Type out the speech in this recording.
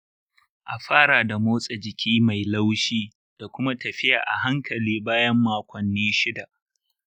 a fara da motsa jiki mai laushi da kuma tafiya a hankali bayan makonni shida.